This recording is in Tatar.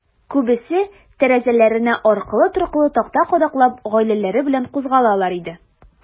Күбесе, тәрәзәләренә аркылы-торкылы такта кадаклап, гаиләләре белән кузгалалар иде.